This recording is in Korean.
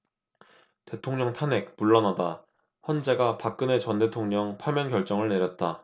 대통령 탄핵 물러나다 헌재가 박근혜 전 대통령 파면 결정을 내렸다